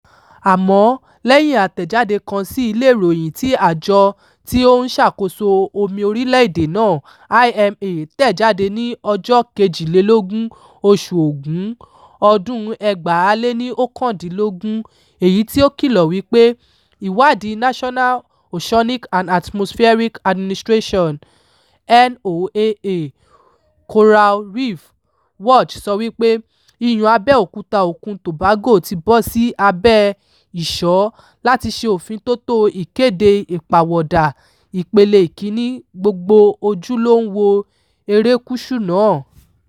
Àmọ́ lẹ́yìn àtẹ̀jáde kan sí ilé ìròyìn tí Àjọ tí ó ń ṣàkóso Omi orílẹ̀ èdè náà (IMA) tẹ̀ jáde ní ọjọ́ 22, oṣù Ògún ọdún-un 2019, èyí tí ó kìlọ̀ wípé – ìwádìíi National Oceanic and Atmospheric Administration (NOAA) Coral Reef Watch sọ wípé — iyùn abẹ́ òkúta òkun Tobago ti bọ́ sì abẹ́ ìṣọ́ láti ṣe òfíntótó "Ìkéde Ìpàwọ̀dàa Ìpele Ìkíni", gbogbo ojú ló ń wo erékùṣù náà.